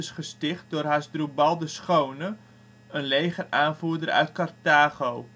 gesticht door Hasdrubal de Schone, een legeraanvoerder uit Carthago